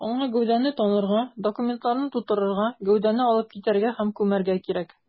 Аңа гәүдәне танырга, документларны турырга, гәүдәне алып китәргә һәм күмәргә кирәк.